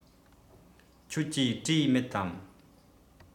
ཁྱོད ཀྱིས བྲིས མེད དམ